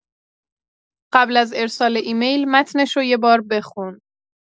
قبل از ارسال ایمیل متنشو یه بار بخون